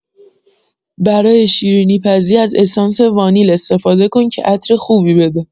برای شیرینی‌پزی از اسانس وانیل استفاده کن که عطر خوبی بده.